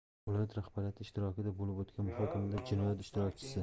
viloyat rahbariyati ishtirokida bo'lib o'tgan muhokamada jinoyat ishtirokchisi